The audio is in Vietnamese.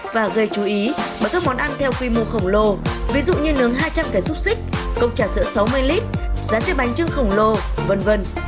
và gây chú ý bởi các món ăn theo quy mô khổng lồ ví dụ như nướng hai trăm cái xúc xích cốc trà sữa sáu mươi lít rán chiếc bánh chưng khổng lồ vân vân